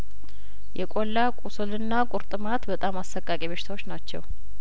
የቆላ ቁስልና ቁርጥማት በጣም አሰቃቂ በሽታዎች ናቸው